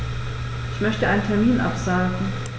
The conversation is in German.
Ich möchte einen Termin absagen.